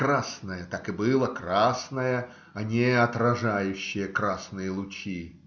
Красное так и было красное, а не отражающее красные лучи.